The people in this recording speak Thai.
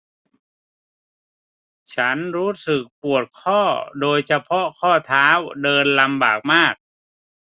ฉันรู้สึกปวดข้อโดยเฉพาะข้อเท้าเดินลำบากมาก